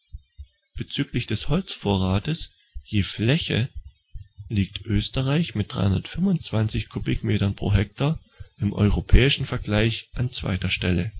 Bezüglich des Holzvorrates je Fläche liegt Österreich mit 325,0 m³/ha im europäischen Vergleich an zweiter Stelle